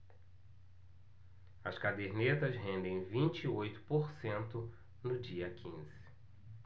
as cadernetas rendem vinte e oito por cento no dia quinze